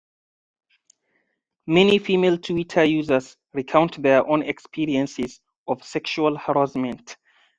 Many female Twitter users recount their own experiences of sexual harassment: